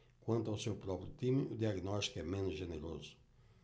quanto ao seu próprio time o diagnóstico é menos generoso